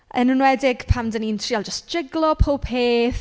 Yn enwedig pan dan ni'n trial jyst jyglo pob peth.